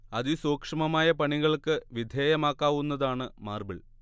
അതിസൂക്ഷ്മമായ പണികൾക്ക് വിധേയമാക്കാവുന്നതാണ് മാർബിൾ